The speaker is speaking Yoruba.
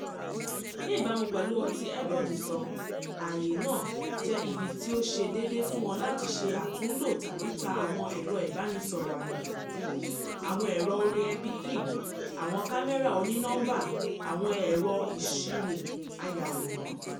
Ní ìbámu pẹ̀lú ohun tí Edward sọ, ààyè náà "jẹ́ ibi tí ó ṣe déédéé fún ọ láti ṣe àtúnlò tàbí ta àwọn ẹ̀rọ ìbánisọ̀rọ̀ àlòkù, àwọn ẹ̀rọ orin mp3, àwọn kámẹ́rà òní nọ́mbà àwọn ẹ̀rọ ìṣirò ayàwòrán.